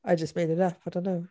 I just made it up I don't know.